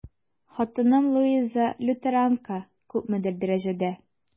Хатыным Луиза, лютеранка, күпмедер дәрәҗәдә...